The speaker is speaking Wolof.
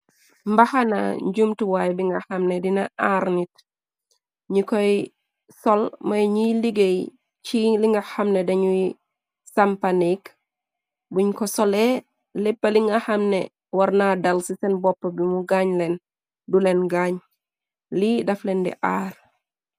Mbaxana njumtuwaay bi nga xamne dina aar nit, ñi koy sol mooy ñiy liggéey ci linga xamne dañuy sampa nekk, buñ ko solee léppa li nga xamne warna dal ci seen boppa bi mu gaañ leen, du leen gaañ, lii dafleen di aar.